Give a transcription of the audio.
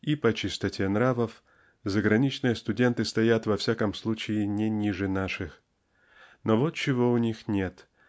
и по чистоте нравов заграничные студенты стоят во всяком случае не ниже наших. Но вот чего у них нет